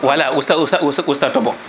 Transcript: voilà usta usta usta usta tooɓo